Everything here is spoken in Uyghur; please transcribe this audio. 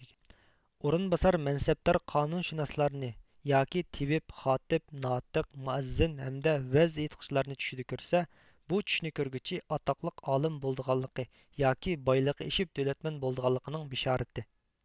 ئورۇنباسار مەنسەپدار قانۇنشۇناسلارنى ياكى تېۋىپ خاتىپ ناتىق مۇئەززىن ھەمدە ۋەز ئېيتقۇچىلارنى چۈشىدە كۆرسە بۇ چۈشنى كۆرگۈچى ئاتاقلىق ئالىم بولىدىغانلىقى ياكى بايلىقى ئېشىپ دۆلەتمەن بولىدىغانلىقىنىڭ بېشارىتى